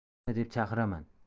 nima deb chaqiraman